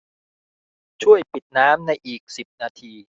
ช่วยปิดน้ำในอีกสิบนาที